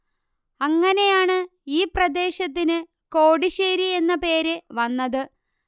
അങ്ങനെയാണ് ഈ പ്രദേശത്തിന് കോടിശ്ശേരി എന്ന പേര് വന്നത്